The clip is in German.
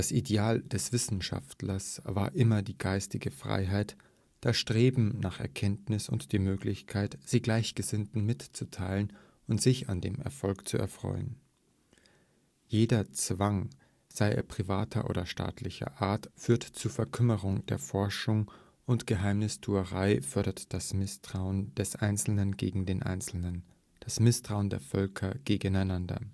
Ideal des Wissenschaftlers war immer die geistige Freiheit, das Streben nach Erkenntnis und die Möglichkeit, sie Gleichgesinnten mitzuteilen und sich an dem Erfolg zu erfreuen. Jeder Zwang, sei er privater oder staatlicher Art, führt zur Verkümmerung der Forschung, und Geheimnistuerei fördert das Misstrauen des Einzelnen gegen den Einzelnen, das Misstrauen der Völker gegeneinander